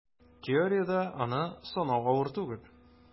Теориядә аны санау авыр түгел: